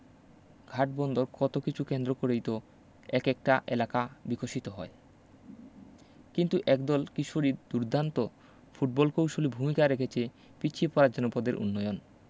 ঘাট বন্দর কত কিছু কেন্দ্র করেই তো এক একটা এলাকা বিকশিত হয় কিন্তু একদল কিশুরীর দুর্দান্ত ফুটবলকৌশলী ভূমিকা রাখছে পিছিয়ে পড়া জনপদের উন্নয়ন